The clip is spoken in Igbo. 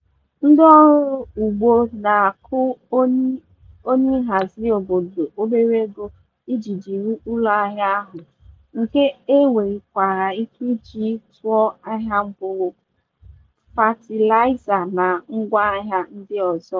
Ndịọrụ ugbo na-akwụ onyenhazi obodo obere ego iji jiri ụlọahịa ahụ, nke e nwekwara ike iji tụọ ahịa mkpụrụ, fatịlaịza na ngwaahịa ndị ọzọ.